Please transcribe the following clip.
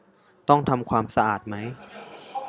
ต้องทำความสะอาดไหม